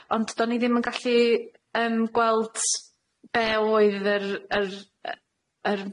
ond do'n i ddim yn gallu yym gweld s- be' oedd yr yr yy yr